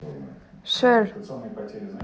шер